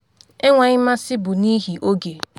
Enweghị mmasị bụ n’ihi oge.